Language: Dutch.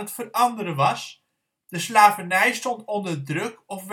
veranderen was; de slavernij stond onder druk of